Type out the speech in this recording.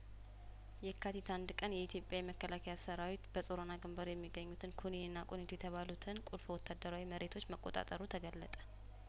የካቲት አንድ ቀን የኢትዮጵያ የመከላከያ ሰራዊት በጾረና ግንባር የሚገኙትን ኩኒንና ቁኒቶ የተባሉትን ቁልፍ ወታደራዊ መሬቶች መቆጣጠሩ ተገለጠ